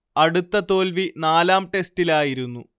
അടുത്ത തോ‌ൽ‌വി നാലാം ടെസ്റ്റിലായിരുന്നു